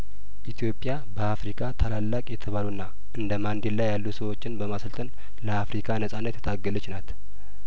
ኢትዮጵያበአፍሪካ ታላላቅ የተባሉና እንደማንዴላ ያሉ ሰዎችን በማሰልጠን ለአፍሪካ ነጻነት የታገለችናት